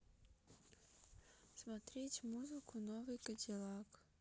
смотреть музыку новый кадиллак